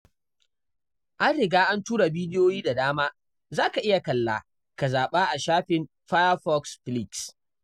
An riga an tura bidiyoyi da dama, za ka iya kalla, ka zaɓa a shafin Firefox Flicks.